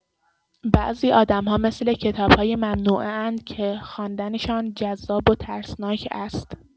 بعضی آدم‌ها مثل کتاب‌های ممنوعه‌اند که خواندنشان جذاب و ترسناک است.